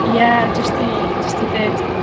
Ie, jyst i, jyst i ddeud